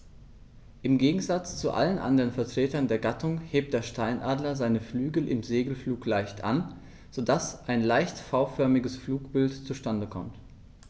Im Gegensatz zu allen anderen Vertretern der Gattung hebt der Steinadler seine Flügel im Segelflug leicht an, so dass ein leicht V-förmiges Flugbild zustande kommt.